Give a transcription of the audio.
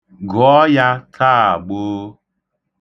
Gụọ ya aha mmadụ azatubeghi.